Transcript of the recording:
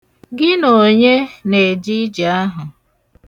Gị na onye na-eje ije ahụ?